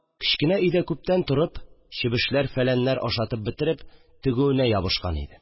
Кечкенә өйдә күптән торып, чебешләр- фәләннәр ашатып бетереп, тегүенә ябышкан иде